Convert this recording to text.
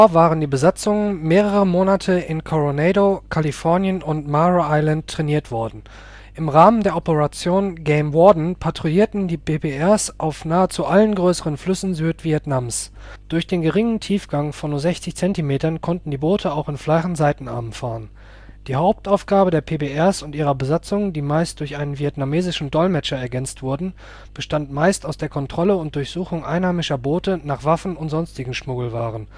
waren die Besatzungen mehrere Monate in Coronado, Kalifornien und Mare Island trainiert worden waren. Im Rahmen der Operation Game Warden patrouillierten die PBRs auf nahezu allen größeren Flüssen Südvietnams. Durch den geringen Tiefgang von nur 60cm konnten die Boote auch in flachen Seitenarmen fahren. Die Hauptaufgabe der PBRs und ihrer Besatzungen, die meist durch einen vietnamesischen Dolmetscher ergänzt wurden, bestand meist aus der Kontrolle und Durchsuchung einheimischer Boote nach Waffen und sonstigen Schmuggelwaren